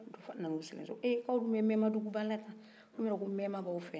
euh aw dun bɛ mɛma dugu ba la tan aw ma don ko mɛma b'aw fɛ ya